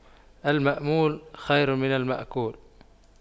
المأمول خير من المأكول